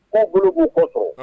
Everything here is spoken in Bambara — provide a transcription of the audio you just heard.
K'u bolo b'u kɔ sɔrɔ